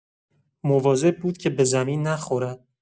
مواظب بود که به زمین نخورد.